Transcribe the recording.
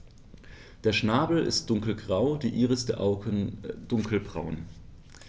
Der Schnabel ist dunkelgrau, die Iris der Augen dunkelbraun.